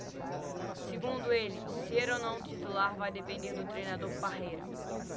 segundo ele ser ou não titular vai depender do treinador parreira